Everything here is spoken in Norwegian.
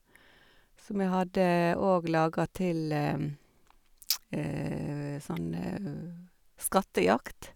Så vi hadde òg laga til sånn skattejakt.